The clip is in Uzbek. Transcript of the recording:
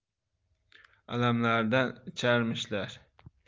alamlaridan icharmishlar